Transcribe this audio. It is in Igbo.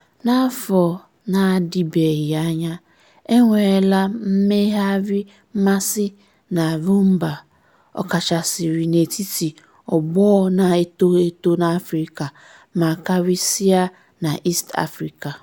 N'afọ na-adịbeghị anya, e nweela mmegharị mmasị na Rhumba, ọkachasịrị n'etiti ọgbọ na-eto eto n'Afrịka ma karịsịa na East Africa.